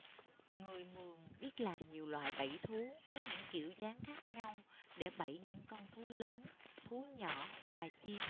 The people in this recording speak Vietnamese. người mường biết làm nhiều loại bẫy thú với những kiểu dáng khác nhau để bẫy những con thú lớn thú nhỏ và chim